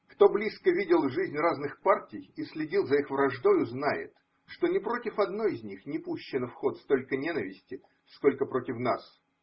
Кто близко видел жизнь разных партий и следил за их враждою, знает, что ни против одной из них не пущено в ход столько ненависти, сколько против нас.